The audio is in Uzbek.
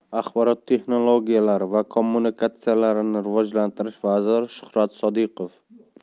axborot texnologiyalari va kommunikatsiyalarini rivojlantirish vaziri shuhrat sodiqov